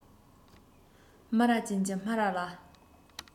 སྨ ར ཅན གྱི སྨ ར ལ